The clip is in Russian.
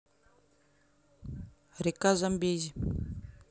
река замбези